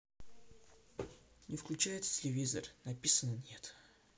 не включается телевизор написано нет